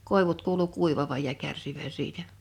koivut kuului kuivavan ja kärsivän siitä